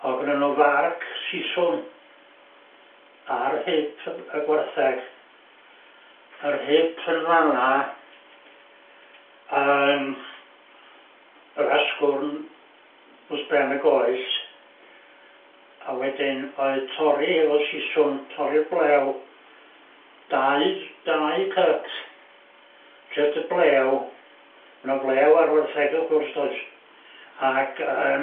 o' gynno n'w farc siswrn ar hip y gwartheg yr hip yn fan' 'na yym yr asgwrn wrth ben y goes a wedyn oedd torri efo siswm torri'r blew dau... dau cut jys y blew ma' 'na flew ar wartheg wrth gwrs does? Ag yym.